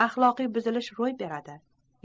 axloqiy buzilish ro'y beradi